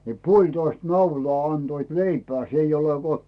niin puolitoista naulaa antoivat leipää se ei ole kun